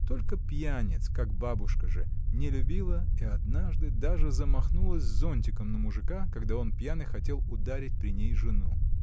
Только пьяниц, как бабушка же, не любила и однажды даже замахнулась зонтиком на мужика, когда он, пьяный, хотел ударить при ней жену.